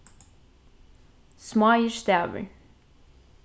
smáir stavir